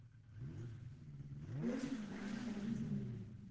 песенка на карантине